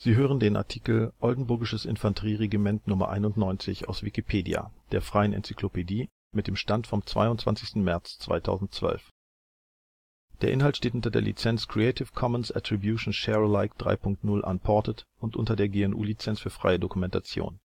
hören den Artikel Oldenburgisches Infanterie-Regiment Nr. 91, aus Wikipedia, der freien Enzyklopädie. Mit dem Stand vom Der Inhalt steht unter der Lizenz Creative Commons Attribution Share Alike 3 Punkt 0 Unported und unter der GNU Lizenz für freie Dokumentation